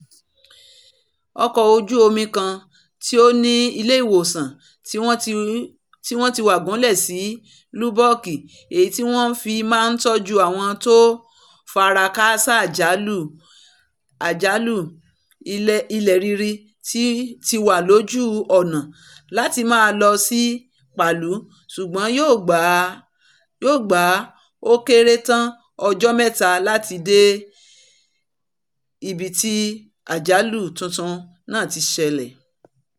Ọkọ̀ ojú omi kan ti ó ní ilé ìwòsàn ti wọ́n ti wà gúnlẹ̀ si Lombok èyí tí wọn fi máa tọ́jú àwọn tó fara káásá àjálù ilẹ̀ rírí tí wà lójú ọ̀nà lái máa lọ sí Palu, ṣùgbọ́n yóò gbà ó kéré tán ọjọ́ mẹ́ta láti dé ibi tí àjálù tuntun náà ti ṣẹlẹ̀.